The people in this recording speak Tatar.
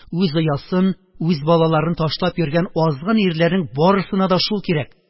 – үз оясын, үз балаларын ташлап йөргән азгын ирләрнең барысына да шул кирәк.